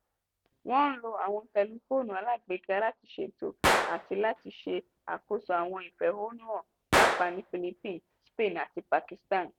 Wọ́n lo àwọn tẹlifóònù alágbèéká láti ṣètò àti láti ṣe àkóso àwọn ìfẹ̀hónúhàn – pàápàá ní Philippines, Spain àti Pakistan.